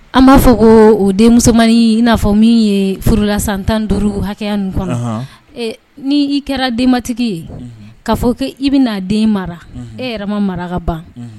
An b'a fɔ ko o den musomanmani na fɔ min ye furula san tan duuru hakɛya ninnu kɔnɔ ni i kɛra denbatigi ye k ka fɔ i bɛ'a den mara e yɛrɛ ma mara ka ban